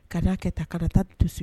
Ka kɛ ta karatata to segu